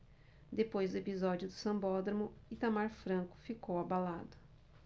depois do episódio do sambódromo itamar franco ficou abalado